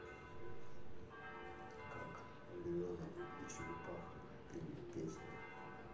как львенок и черепаха пели песню